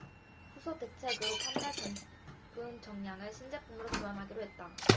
후속 대책으로 판매 제품 전량을 신제품으로 교환하기로 했다